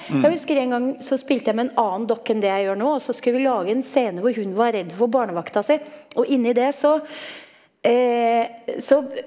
jeg husker en gang så spilte jeg med en annen dokke enn det jeg gjør nå også skulle vi lage en scene hvor hun var redd for barnevakta si, og inni det så så.